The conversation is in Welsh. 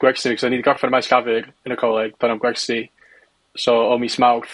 gwersi. So o'n i 'di gorffen y maes llafur yn y coleg pan odd gwersi. So, o mis Mawrth